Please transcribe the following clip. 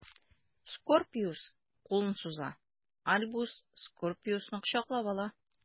Скорпиус кулын суза, Альбус Скорпиусны кочаклап ала.